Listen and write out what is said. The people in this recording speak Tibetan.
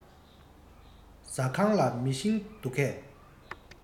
ཟ ཁང ལ མེ ཤིང འདུག གས